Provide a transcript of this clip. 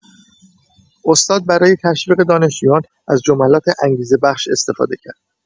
استاد برای تشویق دانشجویان از جملات انگیزه‌بخش استفاده کرد.